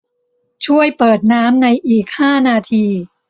ช่วยเปิดน้ำในอีกห้านาที